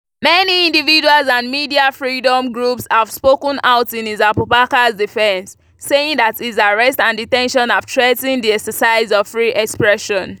Many individuals and media freedom groups have spoken out in his Abubacar's defense, saying that his arrest and detention have threatened the exercise of free expression.